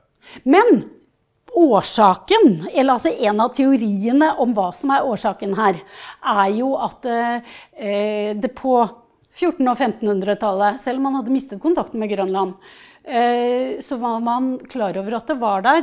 men årsaken altså en av teoriene om hva som er årsaken her, er jo at det på fjorten- og femtenhundretallet, selv om man hadde mistet kontakt med Grønland, så var man klar over at det var der.